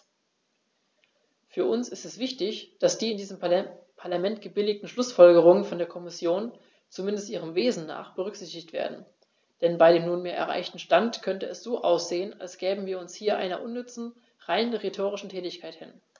Für uns ist es wichtig, dass die in diesem Parlament gebilligten Schlußfolgerungen von der Kommission, zumindest ihrem Wesen nach, berücksichtigt werden, denn bei dem nunmehr erreichten Stand könnte es so aussehen, als gäben wir uns hier einer unnütze, rein rhetorischen Tätigkeit hin.